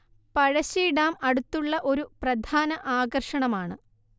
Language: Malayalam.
പഴശ്ശി ഡാം അടുത്തുള്ള ഒരു പ്രധാന ആകർഷണമാണ്